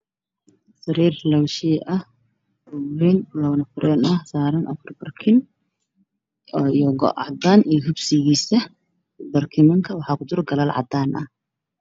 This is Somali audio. Waa sariir labo shay ah oo wayn labo nafar ah saaran afar barkin, go cadaan iyo bustihiisa, barkimanka waxaa kujiro galal cadaan ah.